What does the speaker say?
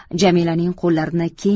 jamilaning qo'llarini keng